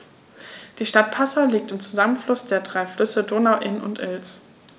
Die Stadt Passau liegt am Zusammenfluss der drei Flüsse Donau, Inn und Ilz.